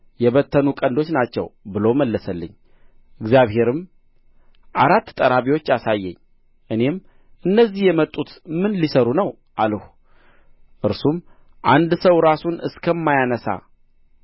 የበተኑ ቀንዶች ናቸው ብሎ መለሰልኝ እግዚአብሔርም አራት ጠራቢዎች አሳየኝ እኔም እነዚህ የመጡት ምን ሊሠሩ ነው አልሁ እርሱም አንድ ሰው ራሱን እስከማያነሣ